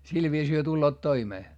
sillä viisiin he tulevat toimeen